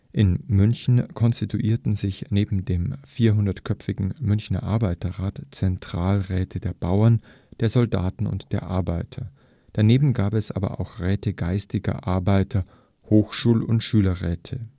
In München konstituierten sich neben dem 400-köpfigen Münchner Arbeiterrat Zentralräte der Bauern, der Soldaten und der Arbeiter. Daneben gab es aber auch Räte geistiger Arbeiter, Hochschul - und Schülerräte